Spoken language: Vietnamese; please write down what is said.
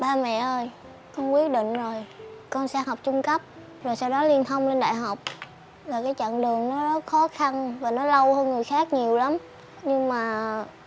ba mẹ ơi con quyết định rồi con sẽ học trung cấp rồi sau đó liên thông lên đại học là cái chặng đường nó rất khó khăn và nó lâu hơn người khác nhiều lắm nhưng mà